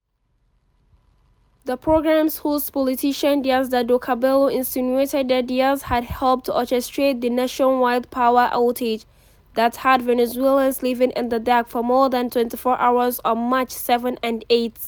The program's host, politician Diosdado Cabello, insinuated that Diaz had helped to orchestrate the nationwide power outage that had Venezuelans living in the dark for more than 24 hours on March 7 and 8.